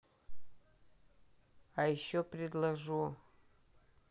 а еще предложу